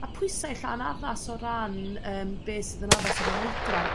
a pwysau 'lla'n addas o ran yrm be sydd yn addas o ran oedran